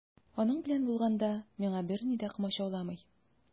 Аның белән булганда миңа берни дә комачауламый.